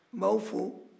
n baw fo